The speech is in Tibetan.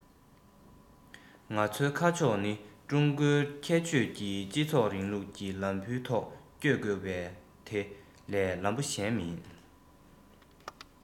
ང ཚོའི ཁ ཕྱོགས ནི ཀྲུང གོའི ཁྱད ཆོས ཀྱི སྤྱི ཚོགས རིང ལུགས ཀྱི ལམ བུའི ཐོག བསྐྱོད དགོས པ དེ ལས ལམ བུ གཞན མིན